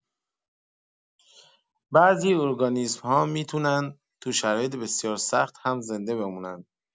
بعضی ارگانیسم‌ها می‌تونن تو شرایط بسیار سخت هم زنده بمونن.